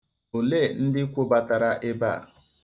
Olee ndị kwobatara ebe a?